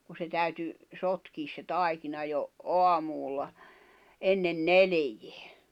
kun se täytyi sotkea se taikina jo aamulla ennen neljää